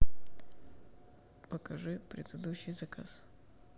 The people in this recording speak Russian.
покажи предыдущий заказ